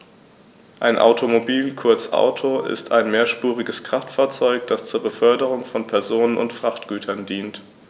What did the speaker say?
Ein Automobil, kurz Auto, ist ein mehrspuriges Kraftfahrzeug, das zur Beförderung von Personen und Frachtgütern dient.